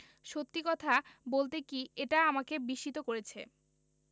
সত্যি কথা বলতে কি এটা আমাকে বিস্মিত করেছে